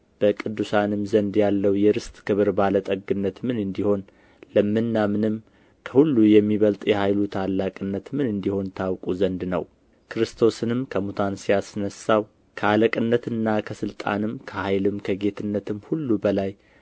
በቅዱሳንም ዘንድ ያለው የርስት ክብር ባለ ጠግነት ምን እንዲሆን ለምናምን ከሁሉ የሚበልጥ የኃይሉ ታላቅነት ምን እንዲሆን ታውቁ ዘንድ ነው ክርስቶስንም ከሙታን ሲያስነሣው ከአለቅነትና ከሥልጣንም ከኃይልም ከጌትነትም ሁሉ በላይና